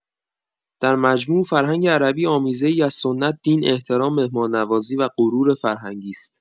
در مجموع، فرهنگ عربی آمیزه‌ای از سنت، دین، احترام، مهمان‌نوازی و غرور فرهنگی است.